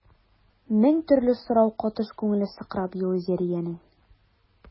Мең төрле сорау катыш күңеле сыкрап елый Зәриянең.